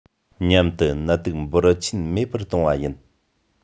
མཉམ དུ ནད དུག འབོར ཆེན མེད པར གཏོང བ ཡིན